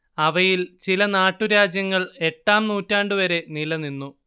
അവയിൽ ചില നാട്ടുരാജ്യങ്ങൾ എട്ടാം നൂറ്റാണ്ടു വരെ നിലനിന്നു